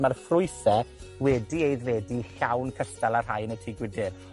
ma'r ffrwythe wedi aeddfedu llawn cystal â'r rhai yn y tŷ gwydyr.